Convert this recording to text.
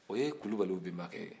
o ye kulubaliw bɛnbakɛ ye